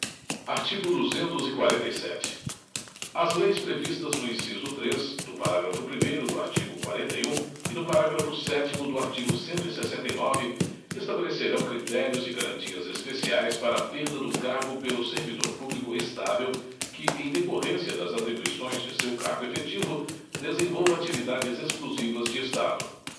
artigo duzentos e quarenta e sete as leis previstas no inciso três do parágrafo primeiro do artigo quarenta e um e no parágrafo sétimo do artigo cento e sessenta e nove estabelecerão critérios e garantias especiais para a perda do cargo pelo servidor público estável que em decorrência das atribuições de seu cargo efetivo desenvolva atividades exclusivas de estado